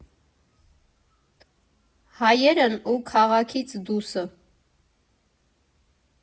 Հայերն ու քաղաքիցդուսը։